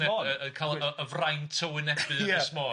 Wne- yy yy cael y y fraint o wynebu Ynys Môn.